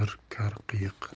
bir kar qiyiq